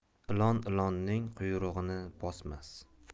ilon ilonning quyrug'ini bosmas